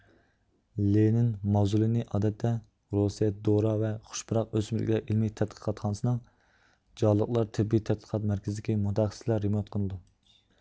لېنىن ماۋزۇلىنى ئادەتتە روسىيە دورا ۋە خۇش پۇراق ئۆسۈملۈكلەر ئىلمىي تەتقىقاتخانىسىنىڭ جانلىقلار تېببىي تەتقىقات مەركىزىدىكى مۇتەخەسسىسلەر رېمونت قىلىدۇ